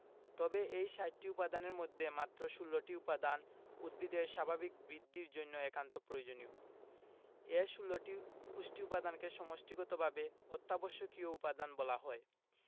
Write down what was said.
তবে এই ৬০টি উপাদানের মধ্যে মাত্র ১৬টি উপাদান উদ্ভিদের স্বাভাবিক বৃদ্ধির জন্য একান্ত প্রয়োজনীয় এ ১৬টি পুষ্টি উপাদানকে সমষ্টিগতভাবে অত্যাবশ্যকীয় উপাদান বলা হয়